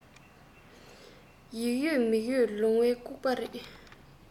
ཡིག ཡོད མིག ཡོད ལོང བ སྐུགས པ རེད